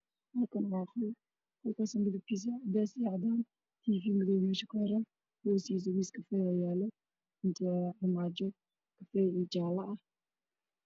Halkaan waa qol midabkiisu waa cadeys iyo cadaan, tiifii madow ah ayaa meesha kuxiran , hoostiisa miis kafay ah ayaa yaalo iyo armaajo kafay iyo jaale ah.